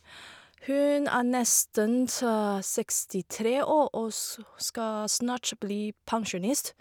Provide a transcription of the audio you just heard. Hun er nesten t sekstitre år og så skal snart bli pensjonist.